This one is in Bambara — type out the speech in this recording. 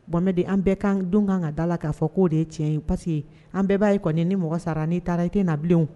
Bonmɛ de an bɛɛ kan don kan ka da la k'a fɔ k'o de tiɲɛ ye pa ye an bɛɛ b'a ye kɔni ni mɔgɔ sara ni taara i tɛna na bilen